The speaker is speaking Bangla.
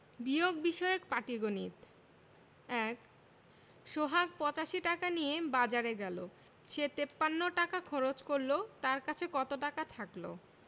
বিয়োগ বিষয়ক পাটিগনিতঃ ১ সোহাগ ৮৫ টাকা নিয়ে বাজারে গেল সে ৫৩ টাকা খরচ করল তার কাছে কত টাকা থাকল